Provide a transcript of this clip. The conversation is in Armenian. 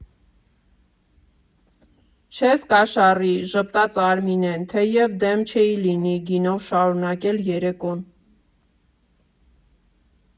Չես կաշառի, ֊ ժպտաց Արմինեն, թեև դեմ չէր լինի գինով շարունակել երեկոն։